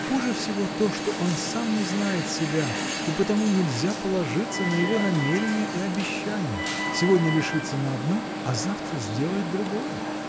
Хуже всего то, что он сам не знает себя, и потому нельзя положиться на его намерения и обещания: сегодня решится на одно, а завтра сделает другое.